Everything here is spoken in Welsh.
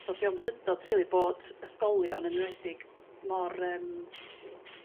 So 'di o'm syndod rili bod ysgolion yn enwedig mor yrm